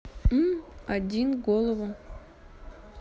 м один голову